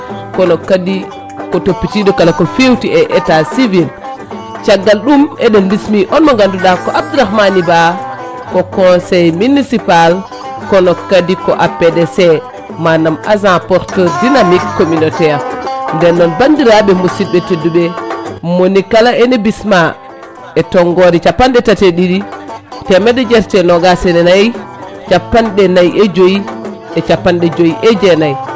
kono kadi ko toppitiɗo kala fewte e état civil caggal ɗum eɗen bismi on mo ganduɗa koAbdourahmani Ba ko conseil municipal kono kadi ko APDC manam agence porteur dynamique communautaire nden noon bandiraɓe musidɓe tedduɓe monikala ene bisma e tongngode capanɗe tati e ɗiɗi temede jeetati e noga e nayyi capanɗe nayyi e jooyi e capanɗe joyyi e jeenay